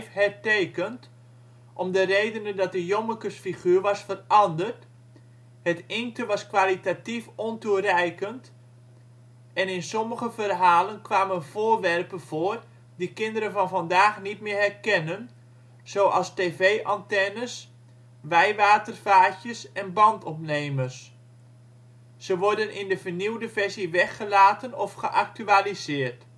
hertekend, om de redenen dat de Jommekesfiguur was veranderd, het inkten was kwalitatief ontoereikend en in sommige verhalen kwamen voorwerpen voor die kinderen van vandaag niet meer (her) kennen, zoals: tv-antennes, wijwatervaatjes en bandopnemers. Ze worden in de vernieuwde versies weggelaten of geactualiseerd